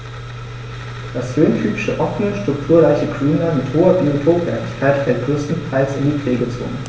Das rhöntypische offene, strukturreiche Grünland mit hoher Biotopwertigkeit fällt größtenteils in die Pflegezone.